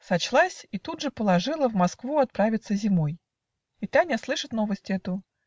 Сочлась - и тут же положила В Москву отправиться зимой. И Таня слышит новость эту.